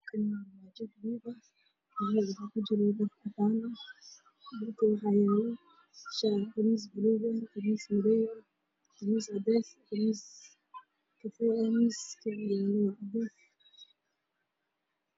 Meeshaan waa carwo waxaa ii muuqday khamiisyo midow cadays ah oo lagadaayo oo yaallaan dhulka